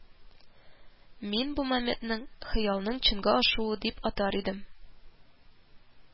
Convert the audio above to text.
“мин бу моментны хыялның чынга ашуы дип атар идем